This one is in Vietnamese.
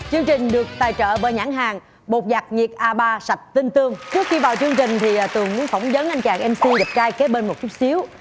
chương trình được tài trợ bởi nhãn hàng bột giặt nhiệt a ba sạch tinh tươm trước khi vào chương trình thì tường muốn phỏng vấn anh chàng em xi đẹp trai kế bên một chút xíu